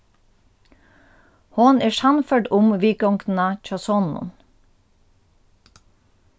hon er sannførd um viðgongdina hjá soninum